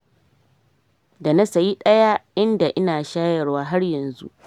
dana sayi daya inda ina shayarwa har yanzu.